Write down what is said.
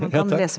helt rett.